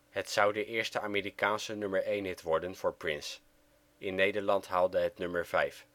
Het zou de eerste Amerikaanse nummer-één-hit worden voor Prince (in Nederland haalde het nummer 5). Het